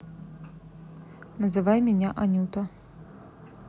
называй меня анюта